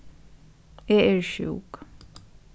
eg eri sjúk